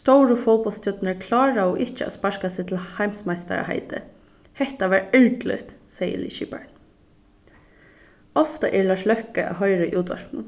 stóru fótbóltsstjørnurnar kláraðu ikki at sparka seg til heimsmeistaraheitið hetta var ergiligt segði liðskiparin ofta er lars løkke at hoyra í útvarpinum